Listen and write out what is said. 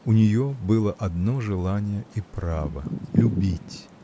У ней было одно желание и право: любить.